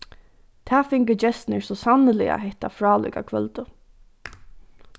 tað fingu gestirnir so sanniliga hetta frálíka kvøldið